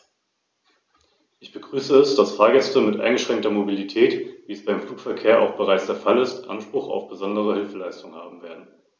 Das EU-Patentsystem leidet allerdings unter vielen Mängeln, die die Schaffung eines einheitlichen Patentschutzes, aber auch die Entwicklung des Binnenmarktes blockieren und dadurch die Rechtssicherheit für Erfinder und innovative Unternehmen mindern.